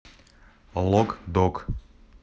лок док